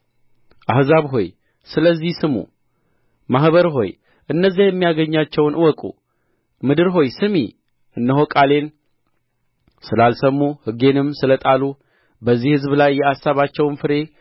አሕዛብ ሆይ ስለዚህ ስሙ ማኅበር ሆይ እነዚያ የሚያገኛቸውን እወቁ ምድር ሆይ ስሚ እነሆ ቃሌን ስላልሰሙ ሕጌንም ስለ ጣሉ በዚህ ሕዝብ ላይ የአሳባቸውን ፍሬ